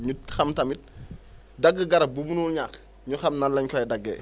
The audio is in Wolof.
nit xam tamit dagg garab bu munul ñàkk ñu xam nan la ñu koy daggee